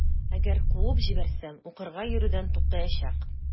Әгәр куып җибәрсәм, укырга йөрүдән туктаячак.